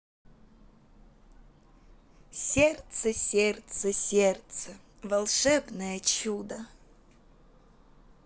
сердце сердце сердце волшебное чудо